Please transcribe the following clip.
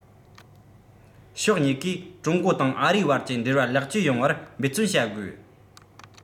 ཕྱོགས གཉིས ཀས ཀྲུང གོ དང ཨ རིའི བར གྱི འབྲེལ བ ལེགས བཅོས ཡོངས བར འབད བརྩོན བྱ དགོས